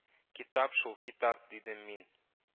— китап шул, китап,— дидем мин